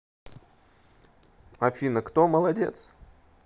афина кто молодец